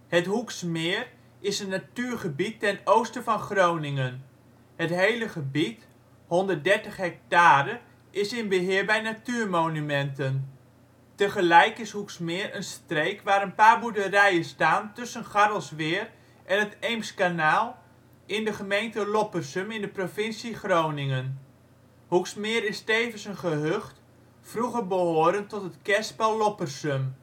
Het Hoeksmeer is een natuurgebied ten oosten van Groningen. Het hele gebied (130 ha) is in beheer bij Natuurmonumenten. Tegelijk is Hoeksmeer een streek waar een paar boerderijen staan tussen Garrelsweer en het Eemskanaal in de gemeente Loppersum in de provincie Groningen. Hoeksmeer is tevens een gehucht, vroeger behorend tot het kerspel Loppersum